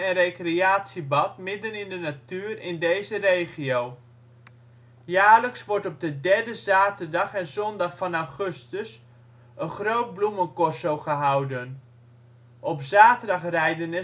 recreatiebad midden in de natuur in deze regio. Jaarlijks wordt op de derde zaterdag en zondag van augustus een groot Bloemencorso gehouden. Op zaterdag rijden